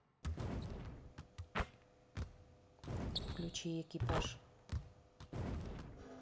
включи экипаж